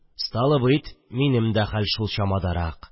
Стало быйт, минем дә хәл шул чамадарак